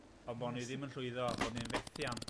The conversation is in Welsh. On' bo' ni ddim yn llwyddo bo' ni'n fethiant.